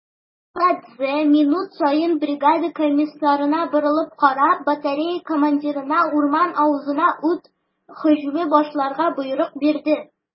Каладзе, минут саен бригада комиссарына борылып карап, батарея командирына урман авызына ут һөҗүме башларга боерык бирде.